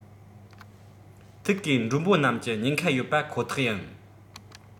ཐིག གིས མགྲོན པོ རྣམས ཀྱི ཉེན ཁ ཡོད པ ཁོ ཐག ཡིན